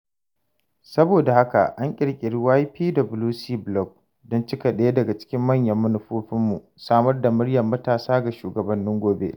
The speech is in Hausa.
Saboda haka, an ƙirƙiri YPWC Blog don cika ɗaya daga cikin manyan manufofinmu: samar da “muryar matasa” ga shugabannin gobe.